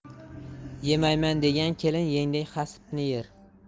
yemayman degan kelin yengdek hasipni yer